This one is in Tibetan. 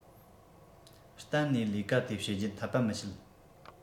གཏན ནས ལས ཀ དེ བྱེད རྒྱུ འཐད པ མི བྱེད